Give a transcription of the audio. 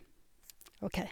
OK.